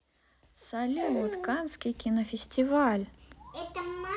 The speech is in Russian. салют канский кинофестиваль